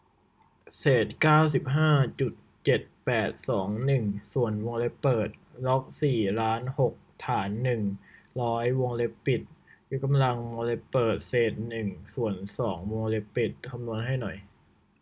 เศษเก้าสิบห้าจุดเจ็ดแปดสองหนึ่งส่วนวงเล็บเปิดล็อกสี่ล้านหกฐานหนึ่งร้อยวงเล็บปิดยกกำลังวงเล็บเปิดเศษหนึ่งส่วนสองวงเล็บปิดคำนวณให้หน่อย